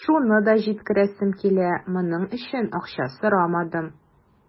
Шуны да җиткерәсем килә: моның өчен акча сорамадым.